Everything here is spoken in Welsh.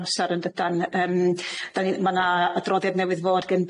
amsar yndydan yym 'dan ni ma' 'na adroddiad newydd fod gan